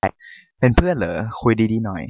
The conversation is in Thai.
เป็นเพื่อนเหรอคุยดีดีหน่อย